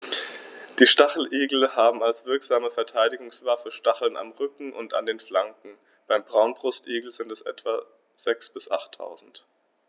Die Stacheligel haben als wirksame Verteidigungswaffe Stacheln am Rücken und an den Flanken (beim Braunbrustigel sind es etwa sechs- bis achttausend).